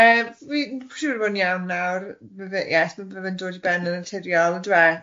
Yy fi'n siŵr o fod yn iawn nawr bydd e ie bydd e'n dod i ben yn naturiol on'd yw e?